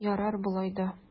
Ярар болай да!